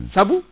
saabu